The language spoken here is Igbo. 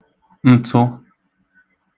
ntụ